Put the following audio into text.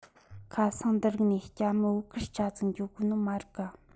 ཁ སང འདི རིགས འདི ནས སྐྱ མྱི བོའུ ཁུར ཆ ཚིག འགྱོ གོ ནི མ རིག ག